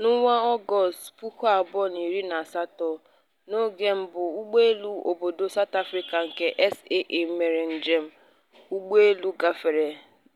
N'ọnwa Ọgọst 2018, n'oge mbụ ụgbọelu obodo South Africa nke SAA mere njem, ụgbọelu gafere